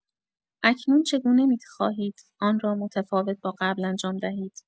اکنون چگونه می‌خواهید آن را متفاوت با قبل انجام دهید؟